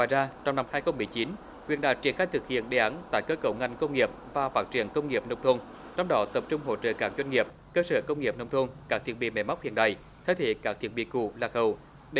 ra trong năm hai không mười chín huyện đã triển khai thực hiện đề án tái cơ cấu ngành công nghiệp và phát triển công nghiệp nông thôn trong đó tập trung hỗ trợ các doanh nghiệp cơ sở công nghiệp nông thôn các thiết bị máy móc hiện đại thay thế các thiết bị cũ lạc hậu